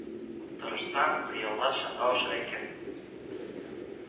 Тырышсаң, хыяллар чынга аша икән